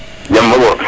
jam fa ɓor